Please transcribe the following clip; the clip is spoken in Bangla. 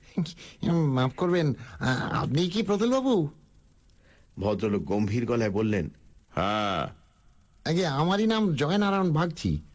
মাপ করবেন আপনিই কি প্রতুলবাবু ভদ্রলোক গম্ভীর গলায় বললেন হ্যাঁ আজ্ঞে আমারই নাম জয়নারায়ণ বাগচি